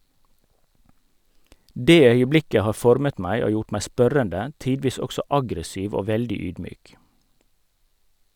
Det øyeblikket har formet meg og gjort meg spørrende, tidvis også aggressiv og veldig ydmyk.